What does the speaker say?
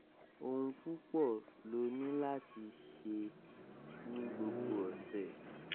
Ohun púpọ̀ lo ni láti ṣe ni gbogbo ọ̀sẹ̀.